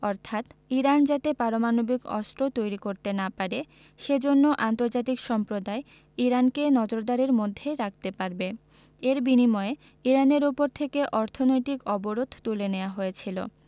অর্থাৎ ইরান যাতে পারমাণবিক অস্ত্র তৈরি করতে না পারে সে জন্য আন্তর্জাতিক সম্প্রদায় ইরানকে নজরদারির মধ্যে রাখতে পারবে এর বিনিময়ে ইরানের ওপর থেকে অর্থনৈতিক অবরোধ তুলে নেওয়া হয়েছিল